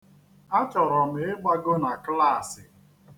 Achọrọ m ịgbago na klaasị.